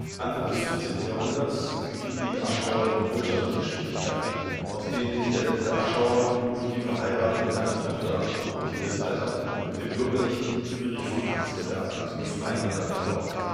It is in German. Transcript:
Anfang des 14. Jahrhunderts gerieten die Aschauer in wirtschaftliche Schwierigkeiten, aus denen sich der letzte Aschauer nur durch die Verheiratung seiner Tochter noch im Kindesalter mit dem bürgerlichen Friedrich von Katzenberger zu befreien können glaubte